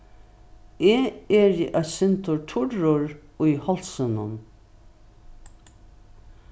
eg eri eitt sindur turrur í hálsinum